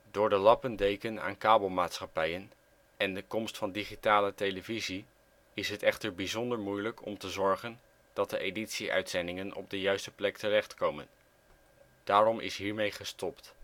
Door de lappendeken aan kabelmaatschappijen en de komst van digitale televisie is het echter bijzonder moeilijk om te zorgen dat de editie-uitzendingen op de juiste plek terechtkomen, daarom is hiermee gestopt